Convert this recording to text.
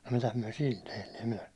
no mitäs me sillä tehdään minä sanoin